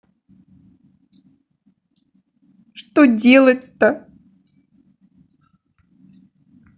что делать то